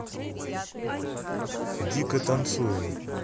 дико танцуем